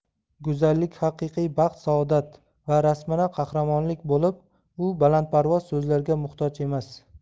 go'zallik haqiqiy baxt saodat va rasmana qahramonlik bo'lib u balandparvoz so'zlarga muhtoj emas